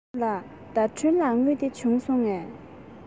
ཨ མ ལགས ཟླ སྒྲོན ལ དངུལ དེ བྱུང སོང ངས